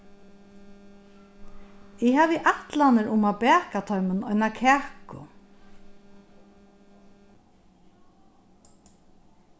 eg havi ætlanir um at baka teimum eina kaku